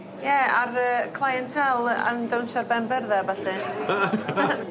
Ie ar yy clientelle yy yn dawnsio ar ben byrdde a ballu.